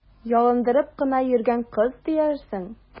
Ялындырып кына йөргән кыз диярсең!